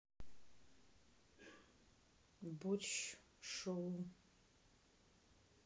борщ шоу